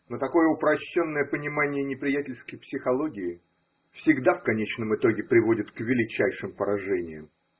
но такое упрощенное понимание неприятельской психологии всегда в конечном итоге приводит к величайшим поражениям.